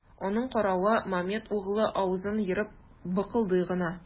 Аның каравы, Мамед углы авызын ерып быкылдый гына.